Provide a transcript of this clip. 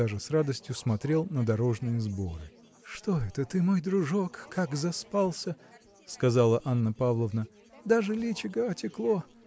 даже с радостью смотрел на дорожные сборы. – Что это ты мой дружок как заспался – сказала Анна Павловна – даже личико отекло?